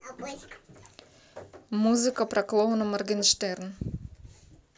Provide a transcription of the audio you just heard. музыка про клоуна моргенштерн